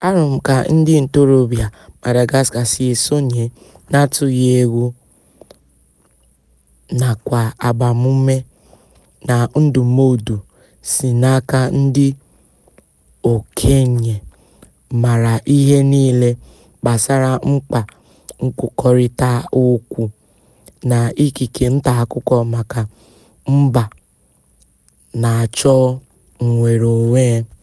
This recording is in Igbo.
A hụrụ m ka ndị ntorobịa Madagascar sị esonye n'atụghị egwu nakwa agbamume na ndụmọdụ sị n'aka ndị okenye maara ihe niile gbasara mkpa nkwukọrịta okwu na ikike ntaakụkọ maka mba na-achọ nnwereonwe.